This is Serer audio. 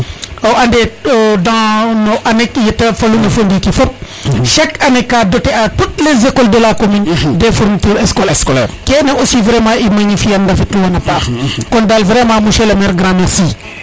o ande dans yete faluna fo ndiki fop chaque année ka doter a toute les écoles de la commune des fournitures scolaire kene aussi vraiment i magnifier an ndafetlu wan a paax kon dal vraiment monsieur le maire grand merci